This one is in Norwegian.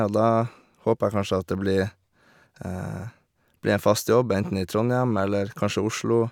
Og da håper jeg kanskje at det blir blir en fast jobb, enten i Trondhjem eller kanskje Oslo.